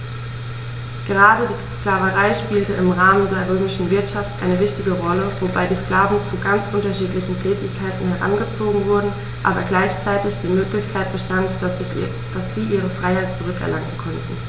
Gerade die Sklaverei spielte im Rahmen der römischen Wirtschaft eine wichtige Rolle, wobei die Sklaven zu ganz unterschiedlichen Tätigkeiten herangezogen wurden, aber gleichzeitig die Möglichkeit bestand, dass sie ihre Freiheit zurück erlangen konnten.